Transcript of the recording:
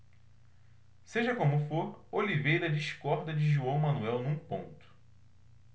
seja como for oliveira discorda de joão manuel num ponto